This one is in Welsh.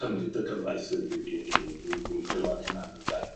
cymryd y gyfraith we- i i i i'n i'n ddwylo'n hunain ynde.